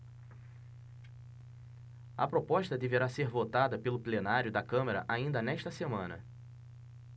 a proposta deverá ser votada pelo plenário da câmara ainda nesta semana